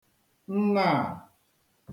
nnāā